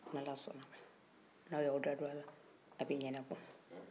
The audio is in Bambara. ni ala sɔna a ma n' aw ye aw da don a la a bɛ ɲɛnɛbɔ